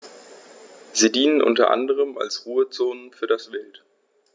Sie dienen unter anderem als Ruhezonen für das Wild.